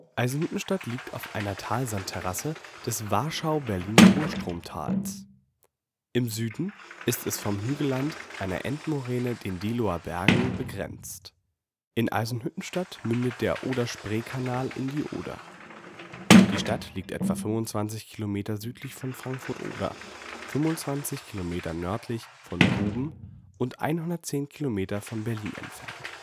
Eisenhüttenstadt liegt auf einer Talsandterrasse des Warschau-Berliner Urstromtales. Im Süden ist es vom Hügelland einer Endmoräne, den Diehloer Bergen, begrenzt. In Eisenhüttenstadt mündet der Oder-Spree-Kanal in die Oder. Die Stadt liegt etwa 25 Kilometer südlich von Frankfurt (Oder), 25 Kilometer nördlich von Guben und 110 Kilometer von Berlin entfernt